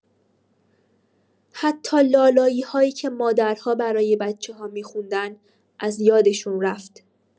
حتی لالایی‌هایی که مادرها برای بچه‌ها می‌خوندن، از یادشون رفت.